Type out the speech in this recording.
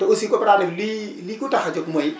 te aussi coopérative li li ko tax a jóg mooy